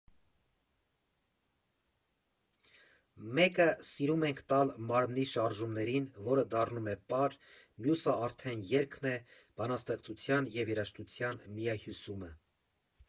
Մեկը՝ սիրում ենք տալ մարմնի շարժումներին, որը դառնում է պար, մյուսը արդեն երգն է՝ բանաստեղծության և երաժշտության միահյուսումը։